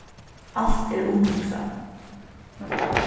alt er umhugsað